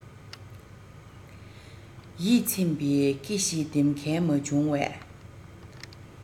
ཡིད ཚིམ པའི ཀི ཞིག འདེབས མཁན མ བྱུང བས